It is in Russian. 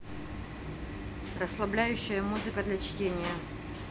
расслабляющая музыка для чтения